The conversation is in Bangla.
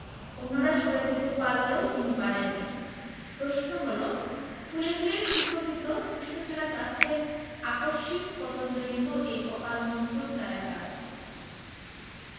অন্যরা সরে যেতে পারলেও তিনি পারেননি প্রশ্ন হলো ফুলে ফুলে সুশোভিত কৃষ্ণচূড়া গাছের আকস্মিক পতনজনিত এই অকালমৃত্যুর দায় কার